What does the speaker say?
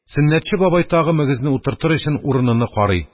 Сөннәтче бабай тагы мөгезне утыртыр өчен урыныны карый,